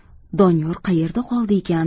doniyor qayerda qoldi ekan